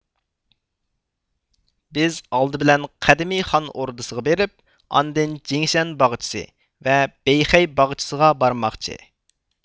بىز ئالدى بىلەن قەدىمىي خان ئوردىسىغا بېرىپ ئاندىن جېڭشەن باغچىسى ۋە بېيخەي باغچىسىغا بارماقچى